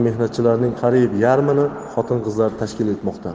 mehnatchilarning qariyb yarmini xotin qizlar tashkil etmoqda